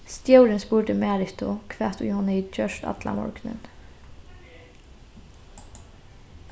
stjórin spurdi maritu hvat ið hon hevði gjørt allan morgunin